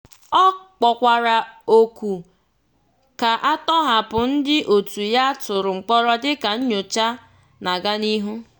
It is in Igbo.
Ọ kpọkwara oku ka atọhapụ ndị otu ya atụrụ mkpọrọ dịka nnyocha na-aga n'ihu.